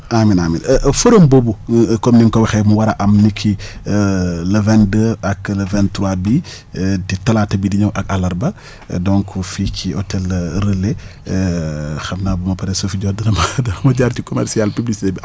amiin amiin forom boobu comme ni nga ko waxee mu war a am niki le 22 ak le 23 bii di talaata bii di ñëw ak àllarba donc fii ci hôtel Relais xam naa bu ma paree Sophie Dia dina ma ma jaar ci commercial publicité bi